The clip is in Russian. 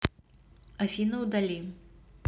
афина удали